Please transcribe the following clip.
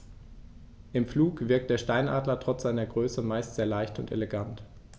Im Flug wirkt der Steinadler trotz seiner Größe meist sehr leicht und elegant.